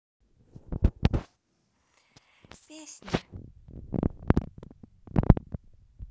песня я люблю тебя до слез